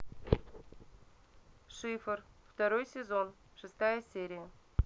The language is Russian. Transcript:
шифр второй сезон шестая серия